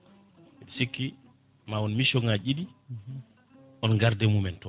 mbeɗe sikki ma won mission ngaji ɗiɗi on garde mumen toon